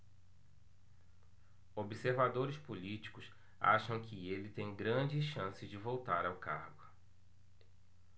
observadores políticos acham que ele tem grandes chances de voltar ao cargo